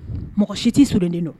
Mɔgɔ si t tɛ Solonin don!